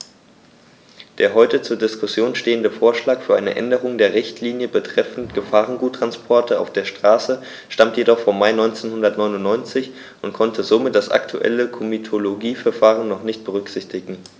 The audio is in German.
Der heute zur Diskussion stehende Vorschlag für eine Änderung der Richtlinie betreffend Gefahrguttransporte auf der Straße stammt jedoch vom Mai 1999 und konnte somit das aktuelle Komitologieverfahren noch nicht berücksichtigen.